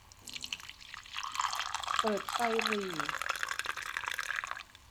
เปิดไฟหรี่